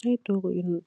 Nyehtti toguu ak tabul